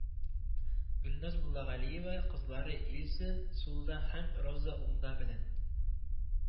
Гөлназ Муллагалиева кызлары Эльза сулда һәм Роза уңда белән